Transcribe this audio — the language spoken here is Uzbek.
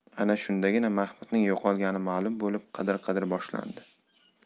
ana shundagina mahmudning yo'qolgani ma'lum bo'lib qidir qidir boshlandi